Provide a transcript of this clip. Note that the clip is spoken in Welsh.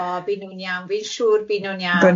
O byd nhw'n iawn fi'n siŵr byd nhw'n iawn.